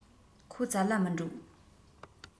ཁོ བཙལ ལ མི འགྲོ